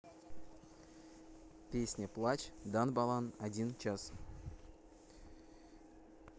песня плач дан балан один час